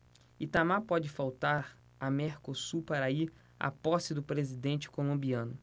itamar pode faltar a mercosul para ir à posse do presidente colombiano